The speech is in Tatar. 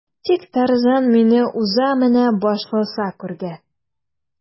Тик Тарзан мине уза менә башласак үргә.